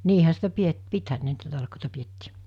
niinhän sitä - pitihän ne niitä talkoita pidettiin